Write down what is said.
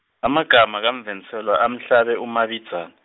amagama kaMvenselwa, amhlabe uMabinzana.